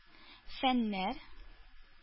Фәннәр